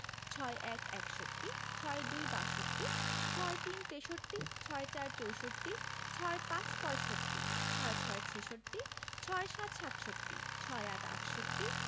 ৬১ – একষট্টি ৬২ – বাষট্টি ৬৩ – তেষট্টি ৬৪ – চৌষট্টি ৬৫ – পয়ষট্টি ৬৬ – ছেষট্টি ৬৭ – সাতষট্টি ৬৮ – আটষট্টি